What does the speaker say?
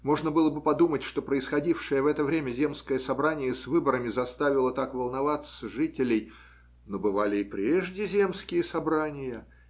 Можно было бы подумать, что происходившее в это время земское собрание с выборами заставило так волноваться жителей, но бывали и прежде земские собрания